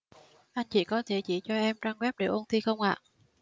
anh chị có thể chỉ cho em trang web để ôn thi không ạ